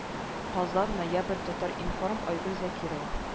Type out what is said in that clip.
Казан ноябрь татар-информ айгөл закирова